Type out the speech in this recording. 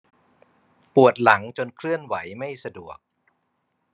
ปวดหลังจนเคลื่อนไหวไม่สะดวก